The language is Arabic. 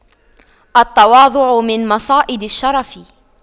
التواضع من مصائد الشرف